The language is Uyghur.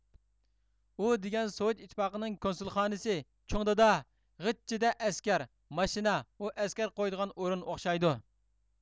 ئۇ دېگەن سوۋېت ئىتتىپاقىنىڭ كونسۇلخانىسى چوڭ دادا غىچچىدە ئەسكەر ماشىنا ئۇ ئەسكەر قويىدىغان ئورۇن ئوخشايدۇ